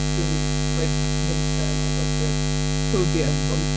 Dwi'm yn... bydda i nunlle yn agos i'r podiums ond... o.